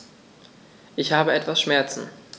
Ich habe etwas Schmerzen.